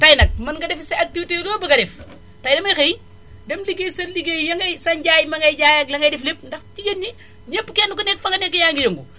tay nag mën nga defi say activité yow loo bëgg a def tay damay xëy dem liggéeyi sa liggéey ya ngay sa njaay ma ngay jaay ak la ngay defi lépp ndax jigéen ñi ñépp kenn ku ci ne fa nga nekk yaa ngi yëngu